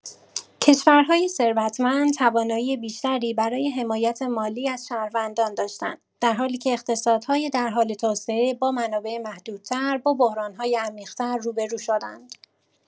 کشورهای ثروتمند توانایی بیشتری برای حمایت مالی از شهروندان داشتند، در حالی که اقتصادهای در حال توسعه با منابع محدودتر با بحران‌های عمیق‌تر روبه‌رو شدند.